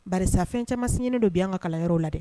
Barisa fɛn caman segné nen don bi anw ka kalanyɔrɔw la dɛ